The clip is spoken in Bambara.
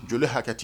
Joli hakɛti